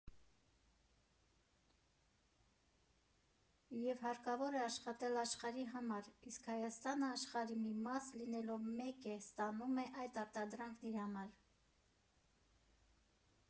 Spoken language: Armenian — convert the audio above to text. Եվ հարկավոր է աշխատել աշխարհի համար, իսկ Հայաստանը, աշխարհի մի մաս լինելով, մեկ է՝ ստանում է այդ արտադրանքն իր համար։